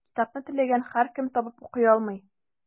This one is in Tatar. Китапны теләгән һәркем табып укый алмый.